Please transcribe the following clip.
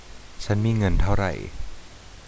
ฉันมีเงินเท่าไร